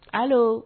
Paul